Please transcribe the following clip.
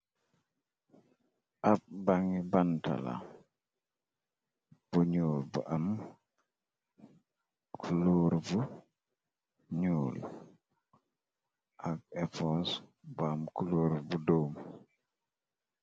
ab bangi bantala bu ñuul bu am color bu ñuul ak efhos bu am color bu doom.